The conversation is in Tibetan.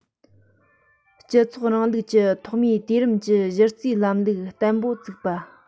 སྤྱི ཚོགས རིང ལུགས ཀྱི ཐོག མའི དུས རིམ གྱི གཞི རྩའི ལམ ཕྱོགས བརྟན པོ བཙུགས པ